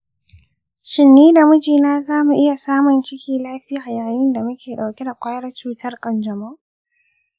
shin ni da mijina za mu iya samun ciki lafiya yayin da muke ɗauke da ƙwayar cutar kanjamau?